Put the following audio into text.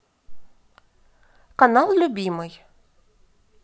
канал любимый